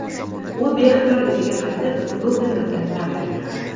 u beixtiyor iziga qaytib lukn yotgan kameraga qaradi